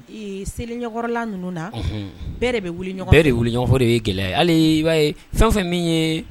Seliɲɔgɔnkɔrɔla ninnu na bɛɛ de bɛ wuli ɲɔgɔn de ye wuli ɲɔgɔnfɔ de ye gɛlɛya'a ye fɛn fɛn min ye